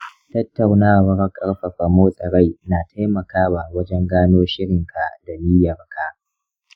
tattaunawar ƙarfafa motsa rai na taimakawa wajen gano shirinka da niyyarka.